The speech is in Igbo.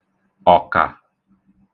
ọ̀kà